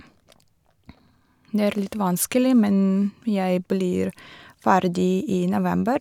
Det er litt vanskelig, men jeg blir ferdig i november.